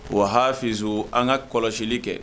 an ka kɔlɔsili kɛ